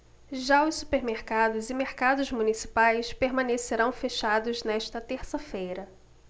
já os supermercados e mercados municipais permanecerão fechados nesta terça-feira